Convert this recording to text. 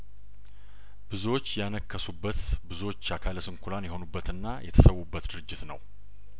ብዙዎች ያነከሱበት ብዙዎች አካለስንኩላን የሆኑበትና የተሰዉበት ድርጅት ነው